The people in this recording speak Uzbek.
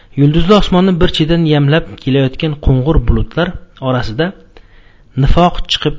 yulduzli osmonni bir chetdan yamlab kelayotgan qo'ng'ir bulutlar orasida nifoq chiqib